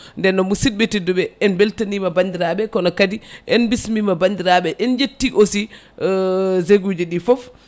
nden noon musibɓe tedduɓe en beltanima bandiraɓe kono kadi en baismima bandirɓe en jetti aussi zeg uji ɗi foof